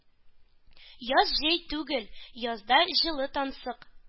Яз - җәй түгел, язда җылы тансык.